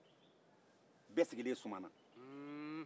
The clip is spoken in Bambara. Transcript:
bɛɛ sigilen sumana